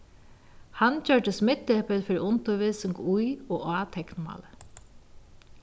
hann gjørdist miðdepil fyri undirvísing í og á teknmáli